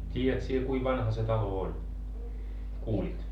tiedät sinä kuinka vanha se talo oli kuulit